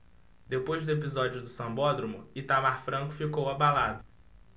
depois do episódio do sambódromo itamar franco ficou abalado